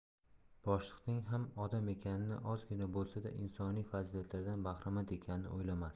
boshliqning ham odam ekanini ozgina bo'lsa da insoniy fazilatlardan bahramand ekanini o'ylamasdi